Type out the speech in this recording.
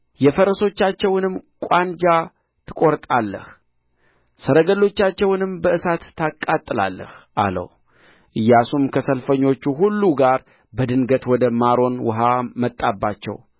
የፈረሶቻቸውንም ቋንጃ ትቈርጣለህ ሰረገሎቻቸውንም በእሳት ታቃጥላለህ አለው ኢያሱም ከሰልፈኞቹ ሁሉ ጋር በድንገት ወደ ማሮን ውኃ መጣባቸው